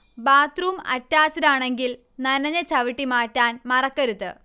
bathroom അറ്റാച്ച്ഡാണെങ്കിൽ നനഞ്ഞ ചവിട്ടി മാറ്റാൻ മറക്കരുത്